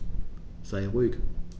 Sei ruhig.